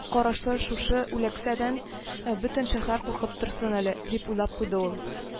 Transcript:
Карашлы шушы “үләксәдән бөтен шәһәр куркып торсын әле, дип уйлап куйды ул